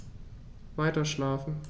Weiterschlafen.